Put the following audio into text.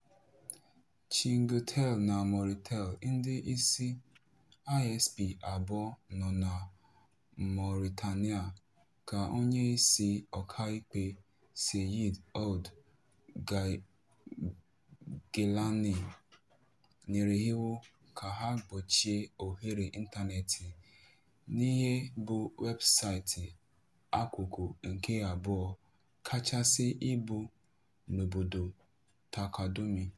Chinguitel na Mauritel, ndị isi ISP abụọ nọ na Mauritania ka onye isi ọkàikpe, Seyid Ould Ghaïlani nyere iwu ka ha gbochie ohere ịntaneetị n'ihe bụ weebụsaịtị akụkọ nke abụọ kachasị ibu n'obodo, Taqadoumy.